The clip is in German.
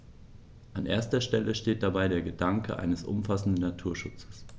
An erster Stelle steht dabei der Gedanke eines umfassenden Naturschutzes.